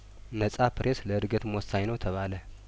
ነጻ ፕሬስ ለእድገትም ወሳኝ ነው ተባለ